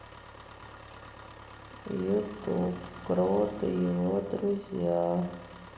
ютуб крот и его друзья